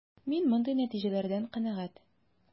Мин мондый нәтиҗәләрдән канәгать.